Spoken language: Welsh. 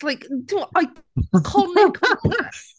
Like, timod, i- iconic moments!